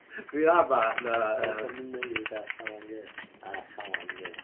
Dwi'n ama na yy... Yn ymwneud â Calan Gaea â Chalan Gaea.